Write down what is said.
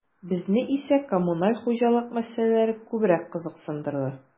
Безне исә коммуналь хуҗалык мәсьәләләре күбрәк кызыксындырды.